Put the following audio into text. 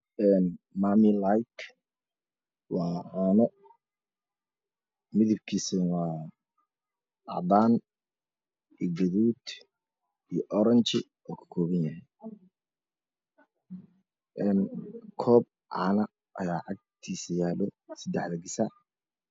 Maami lag waa caano midabkoodu waa cadaan guduud iyo orange ayuu ka koban yahay koob cana ah ayaa agtiisa yaalo sadexda gasac